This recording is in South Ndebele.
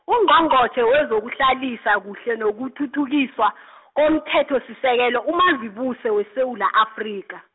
Ungqongqotjhe wezokuhlalisa kuhle nokuthuthukiswa , komThethosisekelo uMazibuse weSewula Afrika.